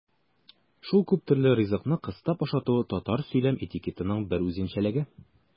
Шул күптөрле ризыкны кыстап ашату татар сөйләм этикетының бер үзенчәлеге.